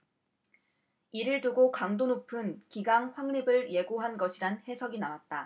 이를 두고 강도 높은 기강 확립을 예고한 것이란 해석이 나왔다